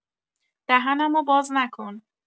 دهنمو باز نکن!